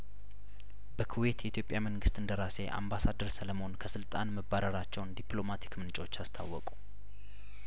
በኩዌት የኢትዮጵያ መንግስት እንደራሴ አምባሳደር ሰለሞን ከስልጣን መባረራቸውን ዲፕሎማቲክ ምንጮች አስታወቁ